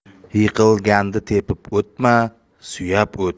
yiqilganni tepib o'tma suyab o't